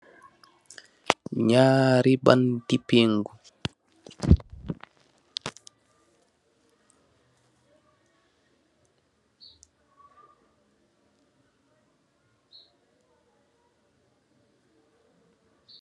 Ngaari banti paingu.